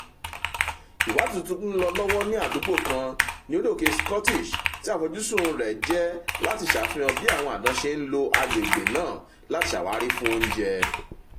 Ìwádìí tuntun ń lọ lọ́wọ́ ní àdúgbọ̀ kan ní Orí òkè Scottish tí àfojúsùn rẹ̀ jẹ́ láti ṣàfihàn bí àwọn àdán ṣe ń lo àgbègbè náà láti ṣàwárí fún oúnjẹ́.